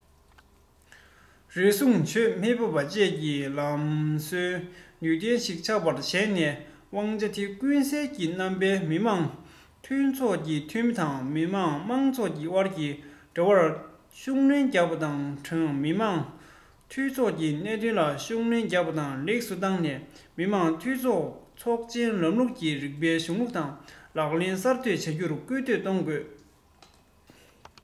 རུལ སུངས བྱེད མི ཕོད པ བཅས ཀྱི ལམ སྲོལ ནུས ལྡན ཞིག ཆགས པར བྱས ནས དབང ཆ དེ ཀུན གསལ གྱི རྣམ པའི མི དམངས འཐུས ཚོགས ཀྱི འཐུས མི དང མི དམངས མང ཚོགས དབར གྱི འབྲེལ བར ཤུགས སྣོན རྒྱག པ དང སྦྲགས མི དམངས འཐུས ཚོགས ཀྱི ལས དོན ལ ཤུགས སྣོན རྒྱག པ དང ལེགས སུ བཏང ནས མི དམངས འཐུས མི ཚོགས ཆེན ལམ ལུགས ཀྱི རིགས པའི གཞུང ལུགས དང ལག ལེན གསར གཏོད བྱ རྒྱུར སྐུལ འདེད གཏོང དགོས